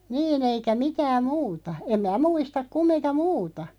niin eikä mitään muuta en minä muista kumminkaan muuta